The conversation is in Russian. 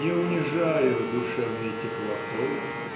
Не унижаю душевной теплотой